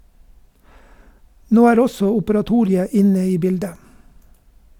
Nå er også Operatoriet inne i bildet.